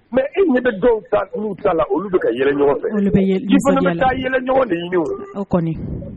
Mɛ i ne bɛ dɔw ta olu ta la olu bɛ ka yɛlɛ ɲɔgɔn fana bɛ taa yɛlɛ ɲɔgɔn de kɔni